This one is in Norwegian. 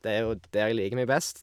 Det er jo der jeg liker meg best.